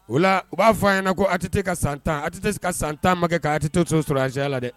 O la u b'a fɔ a ɲɛna ko ATT ka 10 tan, ATT ka san 10 ma kɛ k'a to sɔrasiya la dɛ!